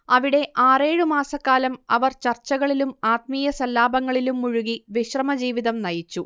അവിടെ ആറേഴു മാസക്കാലം അവർ ചർച്ചകളിലും ആത്മീയസല്ലാപങ്ങളിലും മുഴുകി വിശ്രമജീവിതം നയിച്ചു